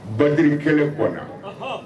Baden kelen kɔnɔ